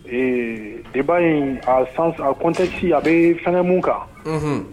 Ee de'a in a kɔnte ci a bɛ fɛn min kan